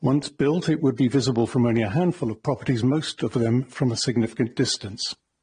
Once built, it would be visible from only a handful of properties, most of them from a significant distance.